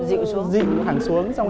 dịu dịu hẳn xuống xuống